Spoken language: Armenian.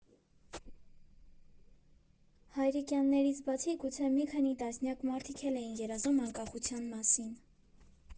Հայրիկյանականներից բացի գուցե մի քանի տասնյակ մարդիկ էլ էին երազում անկախության մասին։